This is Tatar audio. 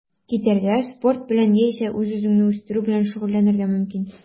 Китәргә, спорт белән яисә үз-үзеңне үстерү белән шөгыльләнергә мөмкин.